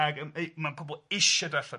Ag yym ei- ma' pobl isie dod allan.